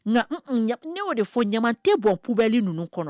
Nka ne y'o de fɔ ɲama tɛ bɔn pbɛnli ninnu kɔnɔ